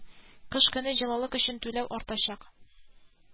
Төбәк өчен актуаль проблема шунда кузгатылды.